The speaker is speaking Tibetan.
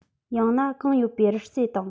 ཡང ན གངས ཡོད པའི རི རྩེ དང